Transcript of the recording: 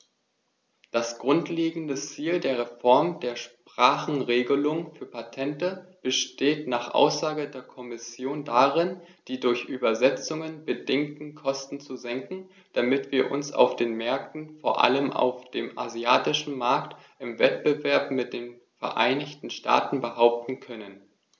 Das grundlegende Ziel der Reform der Sprachenregelung für Patente besteht nach Aussage der Kommission darin, die durch Übersetzungen bedingten Kosten zu senken, damit wir uns auf den Märkten, vor allem auf dem asiatischen Markt, im Wettbewerb mit den Vereinigten Staaten behaupten können.